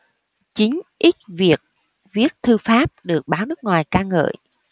chín x việt viết thư pháp được báo nước ngoài ca ngợi